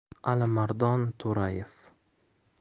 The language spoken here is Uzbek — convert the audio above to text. alimardon to'rayev